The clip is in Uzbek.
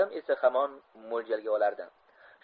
odam esa hamon mo'ljalga olardi